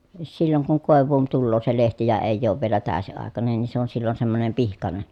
silloin kun koivuun tulee se lehti ja ei ole vielä täysiaikainen niin se on silloin semmoinen pihkainen